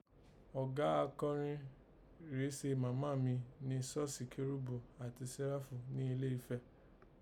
Ọ̀gá akọrin rèé se màmá mi ni sọ́ọ̀sì Kérúbù àti Sėráfu ni ilé ifẹ̀